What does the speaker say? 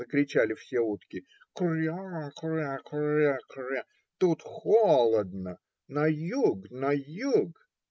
- закричали все утки. - Кря, кря! кря! кря! Тут холодно! На юг! На юг!